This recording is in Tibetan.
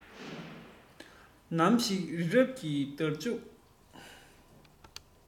ནམ ཞིག རི རབ ཀྱི འདར ལྕུག